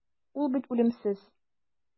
Ул бит үлемсез.